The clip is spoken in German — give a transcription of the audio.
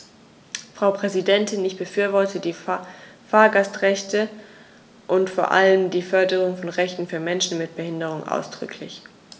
Frau Präsidentin, ich befürworte die Fahrgastrechte und vor allem die Förderung von Rechten für Menschen mit Behinderung ausdrücklich.